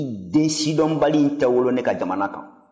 i den sidɔnbali in tɛ wolo ne ka jamana kan